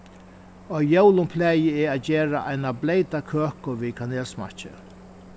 á jólum plagi eg at gera eina bleyta køku við kanelsmakki